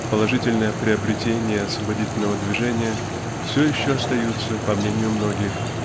Положительные приобретения освободительного движения все еще остаются по мнению многих